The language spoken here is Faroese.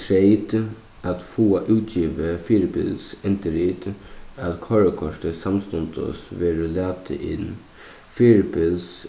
treyt at fáa útgivið fyribils endurrit at koyrikortið samstundis verður latið inn fyribils